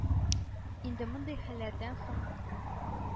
Инде мондый хәлләрдән соң